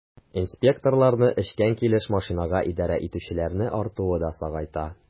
Инспекторларны эчкән килеш машинага идарә итүчеләрнең артуы да сагайта.